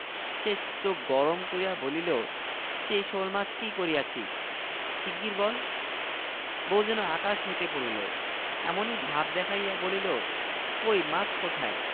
ওর কাছে আপনারা জিজ্ঞাসা করেন ও কোথা হইতে মাছ আনিল আর কখন আনিল রহিম বলিল আজ সকালে আমি ঐ ইটা ক্ষেতে যখন লাঙল দিতেছিলাম